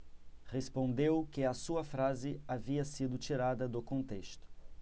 respondeu que a sua frase havia sido tirada do contexto